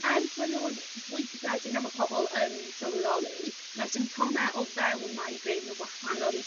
er bo' nw'n fwy cyffredin na ma' pobol yn sylweddoli ma'r symtome o fewn migraine yn wahanol i